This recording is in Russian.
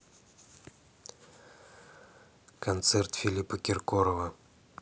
концерт филиппа киркорова